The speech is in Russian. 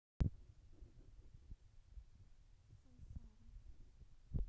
сансара